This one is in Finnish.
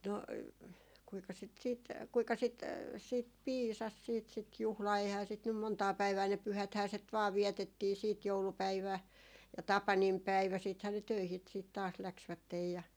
no kuinka sitä sitten kuinka sitä sitten piisasi sitten sitä juhlaa eihän sitä nyt montaa päivää ne pyhäthän sitä vain vietettiin sitten joulupäivä ja tapaninpäivä sittenhän ne töihin sitten taas lähtivät ja